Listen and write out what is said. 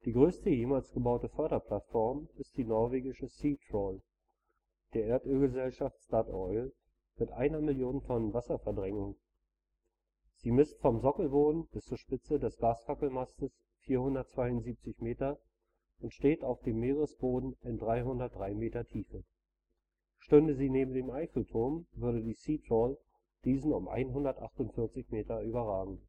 größte jemals gebaute Förderplattform ist die norwegische Sea Troll der Erdölgesellschaft Statoil mit einer Million Tonnen Wasserverdrängung. Sie misst vom Sockelboden bis zur Spitze des Gasfackelmastes 472 m Höhe und steht auf dem Meeresboden in 303 m Meerestiefe. Stünde sie neben dem Eiffelturm, würde die Sea Troll diesen um 148 Meter überragen